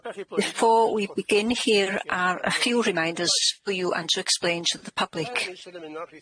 Before we begin here are a few reminders for you and to explain to the public.